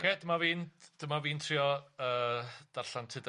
Ocê dyma fi'n dyma fi'n trio yy darllen Tudue Aled.